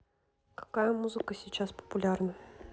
какая музыка сейчас популярна